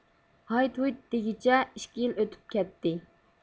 ھايت ھۇيت دېگۈچە ئىككى يىل ئۆتۈپ كەتتى